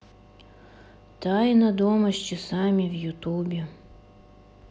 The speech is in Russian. тайна дома с часами в ютубе